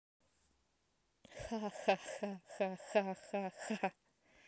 ха ха ха ха ха ха ха